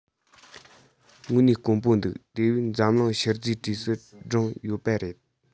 དངོས གནས དཀོན པོ འདུག དེ བས འཛམ གླིང ཤུལ རྫས གྲས སུ བསྒྲེངས ཡོད པ རེད